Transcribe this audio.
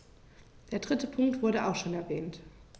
Der dritte Punkt wurde auch schon erwähnt.